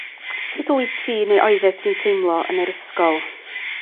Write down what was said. Sut wyt ti neu oeddet ti'n teimlo yn yr ysgol?